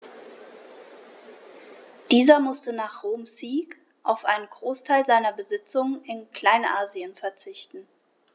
Dieser musste nach Roms Sieg auf einen Großteil seiner Besitzungen in Kleinasien verzichten.